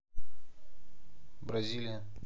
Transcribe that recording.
бразилия